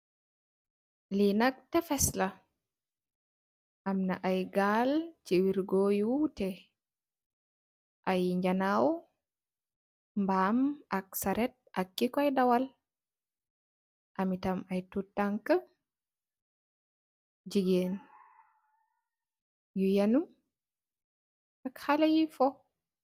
Li nak tafess la ak amna aye gaal yu wergoh yu uteh amna aye mbam ak serret kukoi dawal am tamit aye tang kug gigeen nyu yenuh ak aye khaleh yu fukh.